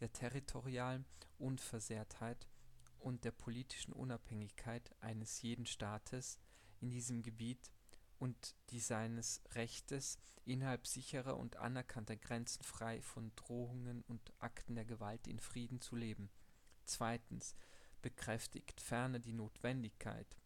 territorialen Unversehrtheit und der politischen Unabhängigkeit eines jeden Staates in diesem Gebiet und die seines Rechtes, innerhalb sicherer und anerkannter Grenzen frei von Drohungen und Akten der Gewalt in Frieden zu leben; 2. bekräftigt ferner die Notwendigkeit